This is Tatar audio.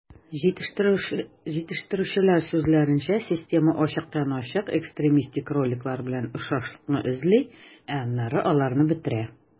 Җитештерүчеләр сүзләренчә, система ачыктан-ачык экстремистик роликлар белән охшашлыкны эзли, ә аннары аларны бетерә.